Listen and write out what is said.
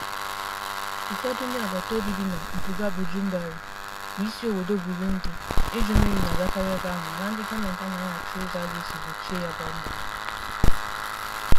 Ụfọdụ ndị agbataobi bi na mpụga Bujumbura, bụ isi obodo Burundi, iju mmiri na-abaịakarị ebe ahụ mana ndị gọọmenti anaghị achọ ụzọ a ga-esi gbochie ya gbam gbam.